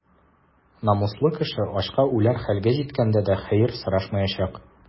Намуслы кеше ачка үләр хәлгә җиткәндә дә хәер сорашмаячак.